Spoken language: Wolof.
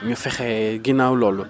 ñu fexe ginnaaw loolu